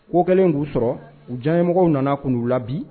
Ko kɛlen y'u sɔrɔ u janmɔgɔw nana k'u la bi